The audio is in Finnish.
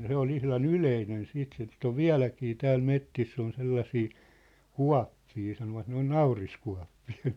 se oli ihan yleinen sitten sitä on vieläkin täällä metsissä on sellaisia kuoppia sanovat ne on nauriskuoppia